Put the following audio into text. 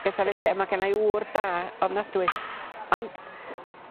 betha felly a ma' gannai ŵr da ofnadwy ond